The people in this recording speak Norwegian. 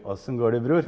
åssen går det bror?